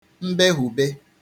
nbehùbe